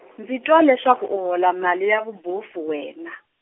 ndzi twa leswaku u hola mali ya vubofu wena.